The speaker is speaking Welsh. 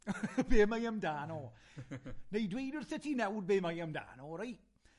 Be' mae am dan o, nai dweud wrthyt ti nawr be' mae am dan o reit